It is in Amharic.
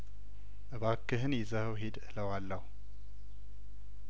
እባክህን ይዘ ኸኝ ሂድ እለዋለሁ